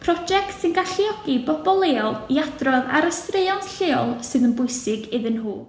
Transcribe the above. Project sy'n galluogi pobl leol i adrodd ar y straeons lleol sydd yn bwysig iddyn nhw.